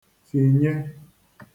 tìnye